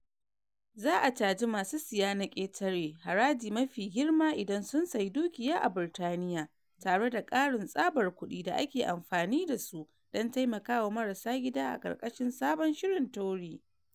Za a caji masu siya na ƙetare haraji mafi girma idan sun sayi dukiya a Birtaniya tare da ƙarin tsabar kuɗi da ake amfani da su don taimaka wa marasa gida a ƙarkashin sabon shirin Tory